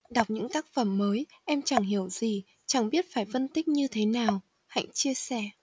đọc những tác phẩm mới em chẳng hiểu gì chẳng biết phải phân tích như thế nào hạnh chia sẻ